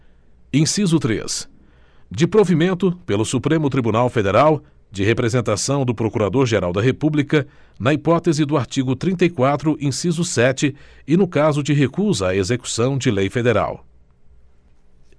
inciso três de provimento pelo supremo tribunal federal de representação do procurador geral da república na hipótese do artigo trinta e quatro inciso sete e no caso de recusa à execução de lei federal